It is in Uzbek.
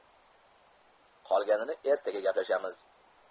qolganini ertaga gaplashamiz